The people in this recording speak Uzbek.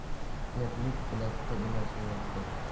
erlik bilakda emas yurakda